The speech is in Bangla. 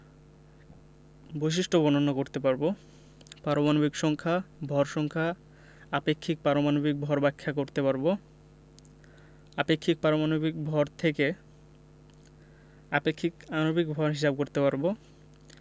বৈশিষ্ট্য বর্ণনা করতে পারব পারমাণবিক সংখ্যা ভর সংখ্যা আপেক্ষিক পারমাণবিক ভর ব্যাখ্যা করতে পারব আপেক্ষিক পারমাণবিক ভর থেকে আপেক্ষিক আণবিক ভর হিসাব করতে পারব